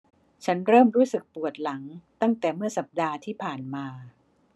ฉันเริ่มรู้สึกปวดหลังตั้งแต่เมื่อสัปดาห์ที่ผ่านมา